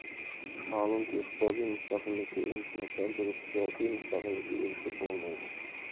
ma'lumki iqtisodiy mustaqillikka erishmasdan turib siyosiy mustaqillikka erishib bo'lmaydi